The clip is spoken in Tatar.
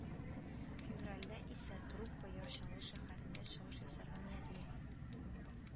Февральдә исә труппа Яр Чаллы шәһәрендә чыгыш ясарга ниятли